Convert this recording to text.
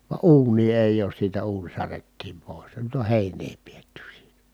vaan uunia ei ole siitä uuni särjettiin pois ja nyt on heinää pidetty siinä